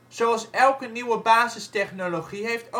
Zoals elke nieuwe basistechnologie heeft